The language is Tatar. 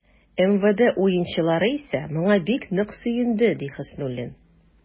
МВД уенчылары исә, моңа бик нык сөенде, ди Хөснуллин.